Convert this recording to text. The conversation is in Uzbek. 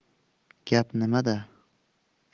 gap nimada